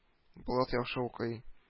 Булат яхшы укый